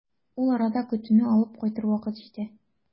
Ул арада көтүне алып кайтыр вакыт җитә.